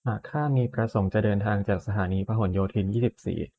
หากข้ามีประสงค์จะเดินทางจากสถานีพหลโยธินยี่สิบสี่